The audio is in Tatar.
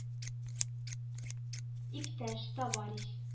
Иптәш-товарищ